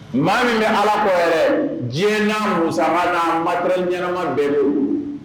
Maa min bɛ ala ko diɲɛna musa anbato ɲɛnama bɛɛ de